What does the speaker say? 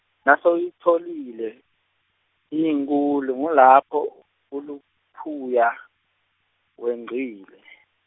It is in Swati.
nasoyitfolile, iyinkhulu ngulapho , uluphuya, wengcile.